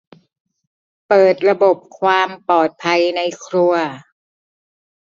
เปิดระบบความปลอดภัยในครัว